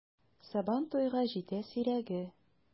Сабан туйга җитә сирәге!